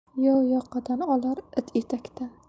yov yoqadan olar it etakdan